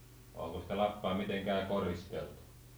onko sitä lapaa mitenkään koristeltu